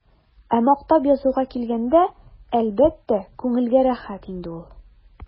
Ә мактап язуга килгәндә, әлбәттә, күңелгә рәхәт инде ул.